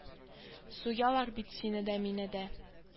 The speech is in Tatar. Суялар бит сине дә мине дә